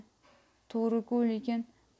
to'g'ri ku lekin